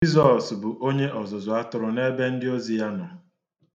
Jizọs bụ Onye ọzụzụ atụrụ n'ebe ndị ozi ya nọ